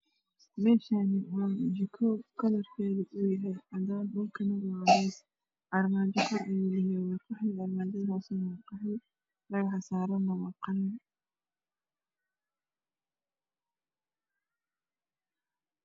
Meshani waa jiko kalarkedu yahay cadan dhulkan waa cades armaajo kore waa qahwi armajad hoose waa qahwi dhagax saran waa qalin